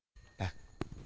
nè